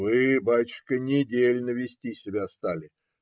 Вы, батюшка, не дельно вести себя стали